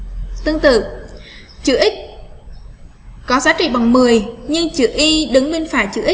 tương tự chữ x có giá trị bằng nhưng chữ y đứng bên phải